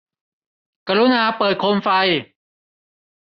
กรุณาเปิดโคมไฟ